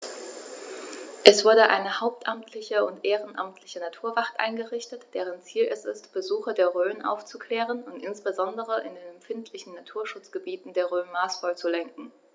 Es wurde eine hauptamtliche und ehrenamtliche Naturwacht eingerichtet, deren Ziel es ist, Besucher der Rhön aufzuklären und insbesondere in den empfindlichen Naturschutzgebieten der Rhön maßvoll zu lenken.